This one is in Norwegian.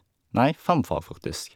Nei, fem fag, faktisk.